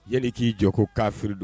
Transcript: Yan'i k'i jɔ ko kafirid